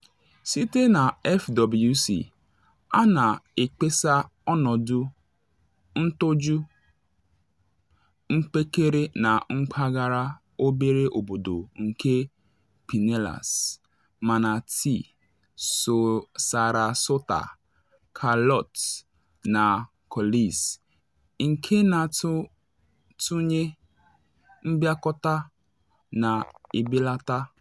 Site na FWC, a na ekpesa ọnọdụ ntoju mpekere na mpaghara obere obodo nke Pinellas, Manatee, Sarasota, Charlotte na Collies - nke na atụnye mbịakọta na ebelata.